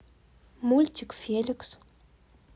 мультик феликс